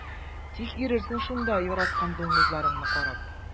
Тик йөрерсең шунда яраткан дуңгызларыңны карап.